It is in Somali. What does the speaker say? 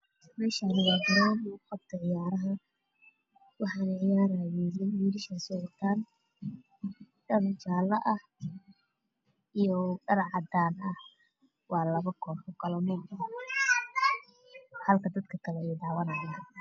Mwshan waa garon laku qabto ciyarah waxa ciyaray will wllshaso watan dhar kalar jale ah io dhar cadan ah walado koox oo kal nuuc ah